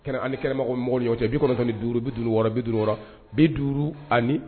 Kɛnɛ an ni kɛnɛmagɔmɔgɔw ni ɲɔgɔn cɛ 95 56 56 50 ani